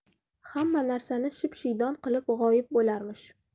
hamma narsani ship shiydon qilib g'oyib bo'larmish